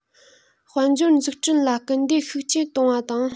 དཔལ འབྱོར འཛུགས སྐྲུན ལ སྐུལ འདེད ཤུགས ཆེན གཏོང བ དང